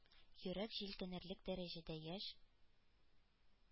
Йөрәк җилкенерлек дәрәҗәдә яшь,